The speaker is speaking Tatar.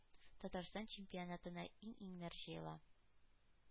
Татарстан чемпионатына «иң-иң»нәр җыела